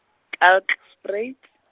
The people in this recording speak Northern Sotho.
Kalkspruit.